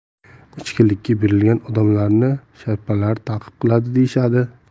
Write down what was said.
ichkilikka berilgan odamlarni sharpalar taqib qiladi deyishadi